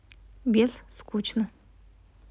без скучно